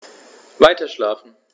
Weiterschlafen.